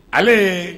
Ale